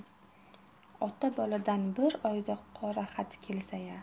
ota boladan bir oyda qoraxat kelsa ya